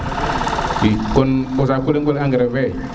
kon o saku leng engrais fe